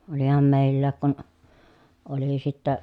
olihan meilläkin kun oli sitten